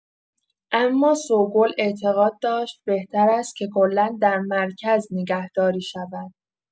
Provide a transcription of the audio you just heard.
اما سوگل اعتقاد داشت بهتر است که کلا در مرکز نگهداری شود.